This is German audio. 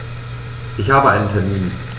Ich habe einen Termin.